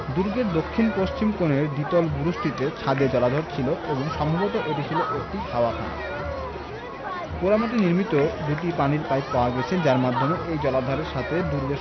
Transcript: দূর্গের দক্ষিণ পশ্চিম কোণের দ্বিতল বুরুজটিতে ছাদে জলাধর ছিল এবং সম্ভবত এটি ছিল একটি হাওয়াখানা পোড়ামাটি নির্মিত দুটি পানির পাইপ পাওয়া গেছে যার মাধ্যমে এই জলাধারের সাথে দুর্গের